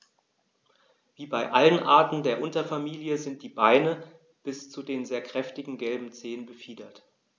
Wie bei allen Arten der Unterfamilie sind die Beine bis zu den sehr kräftigen gelben Zehen befiedert.